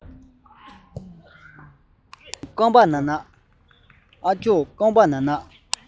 ཨ སྐྱོ རྐང པ ན ན